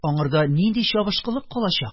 Аңарда нинди чабышкылык калачак?!